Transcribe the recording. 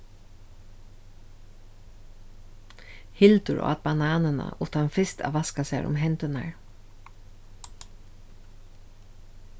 hildur át bananina uttan fyrst at vaska sær um hendurnar